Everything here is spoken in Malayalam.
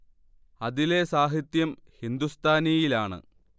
അതിലെ സാഹിത്യം ഹിന്ദുസ്ഥാനിയിലാണ്